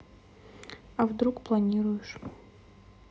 а вдруг планируешь